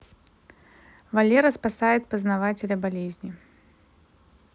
валера спасает познавателя болезни